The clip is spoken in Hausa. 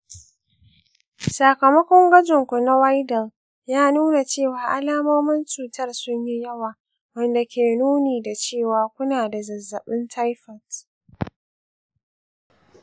sakamakon gwajin ku na widal ya nuna cewa alamomin cutar sun yi yawa, wanda ke nuni da cewa kuna da zazzabin taifot